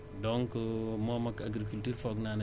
ci kër madame Lika Diaw ci kaw